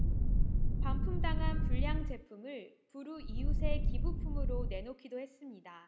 반품당한 불량제품을 불우이웃에 기부품으로 내놓기도 했습니다